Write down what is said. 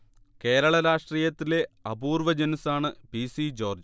കേരള രാഷ്ട്രീയത്തിലെ അപൂർവ്വ ജനുസ്സാണ് പി. C George